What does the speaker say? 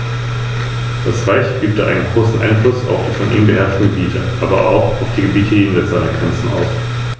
Ein Großteil des Parks steht auf Kalkboden, demnach dominiert in den meisten Gebieten kalkholde Flora.